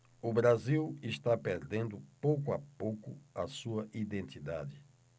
o brasil está perdendo pouco a pouco a sua identidade